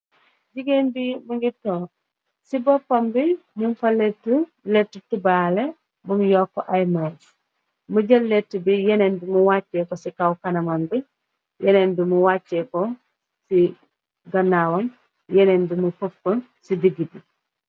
Jigéen bi mu ngi toog, ci boppam bi ñung fa letu, lettu tubaaley bum yokk ay mess. Mu jël letu bi yeneen bi mu wàchey ko ci kaw kanamam bi, yeneen yi mu wàchey ko ci gannaawam, yeneen yi mu poff ko ci digi bi.